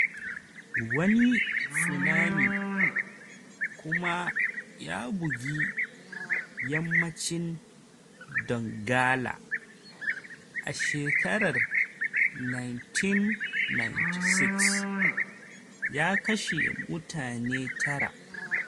Wani tsunami kuma ya bugi yammacin Donggala a shekarar 1996, ya kashe mutane tara.